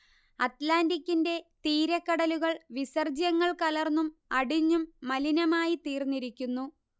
അറ്റ്ലാന്റിക്കിന്റെ തീരക്കടലുകൾ വിസർജ്യങ്ങൾ കലർന്നും അടിഞ്ഞും മലിനമായിത്തീർന്നിരിക്കുന്നു